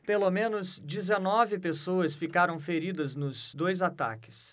pelo menos dezenove pessoas ficaram feridas nos dois ataques